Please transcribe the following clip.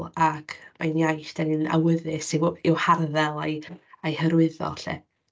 Ac mae'n iaith dan ni'n awyddus i'w harddel a'i hyrwyddo 'lly.